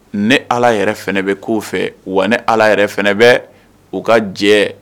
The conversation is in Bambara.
Ne Ala yɛrɛ fana bɛ k'o fɛ wa ne Ala yɛrɛ fana bɛ u ka jɛ